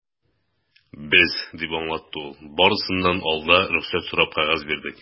Без, - дип аңлатты ул, - барысыннан алда рөхсәт сорап кәгазь бирдек.